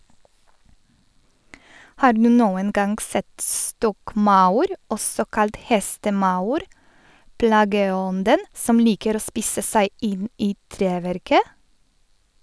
Har du noen gang sett stokkmaur, også kalt hestemaur, plageånden som liker å spise seg inn i treverket?